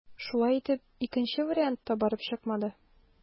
Шулай итеп, икенче вариант та барып чыкмады.